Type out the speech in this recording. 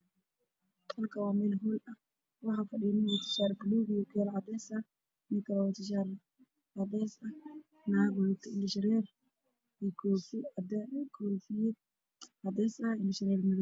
Halkaan waa meel hool ah waxaa fadhiyo wiil wato shaar buluug ah iyo ookiyaalo cadeys ah, nin kaloo wato shaar cadeys ah, naag wadato indho shareer madow iyo koofi cadeys ah.